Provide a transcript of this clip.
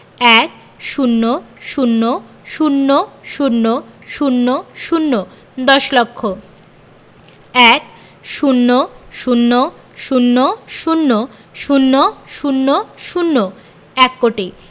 ১০০০০০০ দশ লক্ষ ১০০০০০০০ এক কোটি